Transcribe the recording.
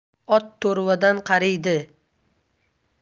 ot to'rvadan qariydi